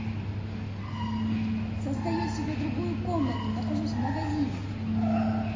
создаю себе другую комнату нахожусь в магазине